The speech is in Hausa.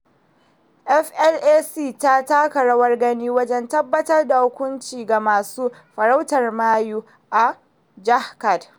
FLAC ta taka rawar gani wajen tabbatar da hukunci ga masu farautar mayu a Jharkhand.